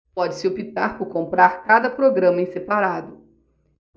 pode-se optar por comprar cada programa em separado